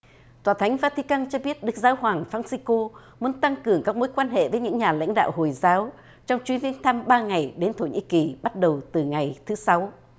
tòa thánh va ti căng cho biết đức giáo hoàng phan xi cô muốn tăng cường các mối quan hệ với những nhà lãnh đạo hồi giáo trong chuyến thăm ba ngày đến thổ nhĩ kỳ bắt đầu từ ngày thứ sáu